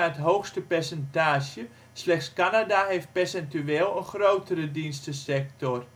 hoogste percentage, slechts Canada heeft percentueel een grotere dienstensector